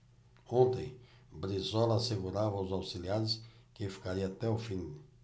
ontem brizola assegurava aos auxiliares que ficaria até o fim